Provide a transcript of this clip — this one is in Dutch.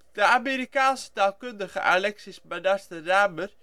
De Amerikaanse taalkundige Alexis Manaster Ramer